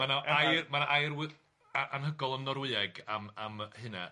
Ma' na air ma' na air wy- a- anhygoel yn Norwyeg am am hynna.